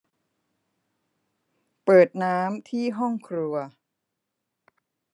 เปิดน้ำที่ห้องครัว